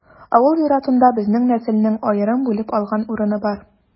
Авыл зиратында безнең нәселнең аерым бүлеп алган урыны бар.